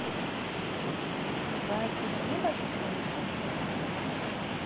здравствуйте мы ваша крыша